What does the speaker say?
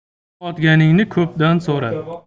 yo'qotganingni ko'pdan so'ra